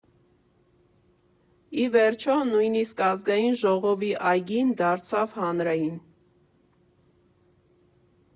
Ի վերջո, նույնիսկ Ազգային ժողովի այգին դարձավ հանրային։